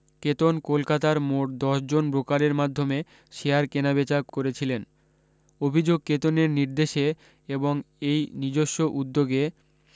কেতন কলকাতার মোট দশ জন ব্রোকারের মাধ্যমে শেয়ার কেনাবেচা করেছিলেন অভি্যোগ কেতনের নির্দেশে এবং নিজস্ব উদ্যোগে